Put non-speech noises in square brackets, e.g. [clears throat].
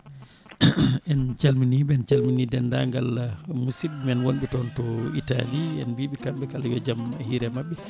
[clears throat] en calminiɓe en calmini dendagal musibɓe men wonɓe toon to Italie en mbiɓe kamɓe kala yo jaam hiire mabɓe